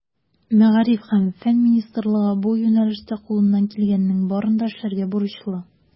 Мәгариф һәм фән министрлыгы бу юнәлештә кулыннан килгәннең барын да эшләргә бурычлы.